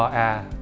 o a